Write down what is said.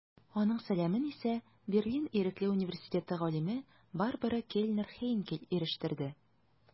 Аның сәламен исә Берлин Ирекле университеты галиме Барбара Кельнер-Хейнкель ирештерде.